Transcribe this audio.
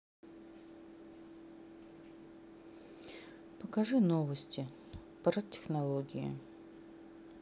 покажи новости про технологии